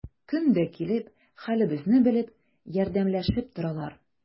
Көн дә килеп, хәлебезне белеп, ярдәмләшеп торалар.